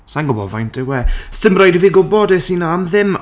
Sa i'n gwbod faint yw e. 'Sdim raid i fi gwbod, es i 'na am ddim!